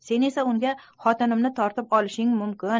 sen esa unga xotinimni tortib olishing mumkin